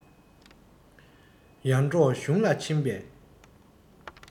ཡར འབྲོག གཞུང ལ ཕྱིན པས